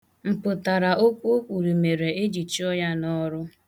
Mpụtara okwu o kwuru mere eji chụọ ya n' ọrụ.